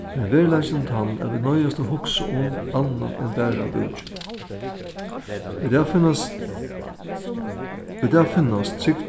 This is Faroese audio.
men veruleikin er tann at vit noyðast at hugsa um annað enn bara búkin í dag finnast í dag finnast trúgv